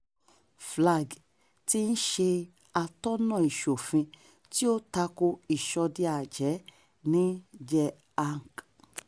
FLAC ti ń ṣe àtọ́nàa ìṣòfin tí ó tako ìṣọdẹ-àjẹ́ ní Jharkhand.